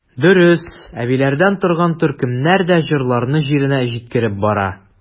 Дөрес, әбиләрдән торган төркемнәр дә җырларны җиренә җиткереп башкара.